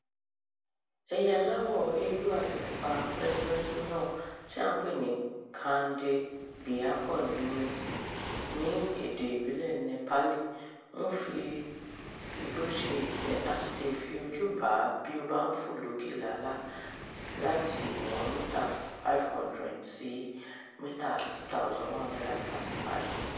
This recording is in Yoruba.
Ẹyẹ aláwọ̀ eérú-àti-pupa-rẹ́súrẹ́sú náà, tí à ń pè ní Kaande Bhyakur ní èdè ìbílẹ̀ Nepali, ń fi igbó ṣe ìtẹ́ a sì lè fi ojú bà á bí ó bá ń fò lókè lálá láti ìwọ̀n mítà 500 sí mítà 2135.